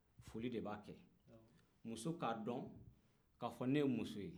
foli de b'a kɛ muso k'a don k'a fɔ ne muso ye